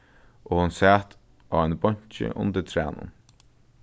og hon sat á einum bonki undir trænum